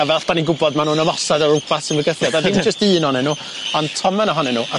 A fel bo' ni'n gwbod ma' n'w'n ymosod ar rwbath sy'n mygythiad a ddim jyst un ohonyn n'w ond tomyn ohonyn n'w ie.